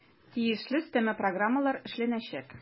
Тиешле өстәмә программалар эшләнәчәк.